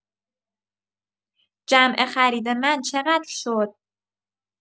جمع خرید من چقدر شد؟